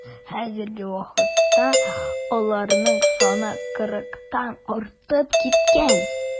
Хәзерге вакытта аларның саны кырыктан артып киткән.